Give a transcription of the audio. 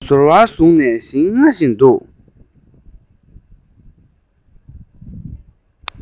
ཟོར བ བཟུང ནས ཞིང རྔ བར བྱེད